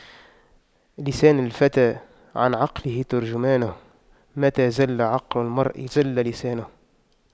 لسان الفتى عن عقله ترجمانه متى زل عقل المرء زل لسانه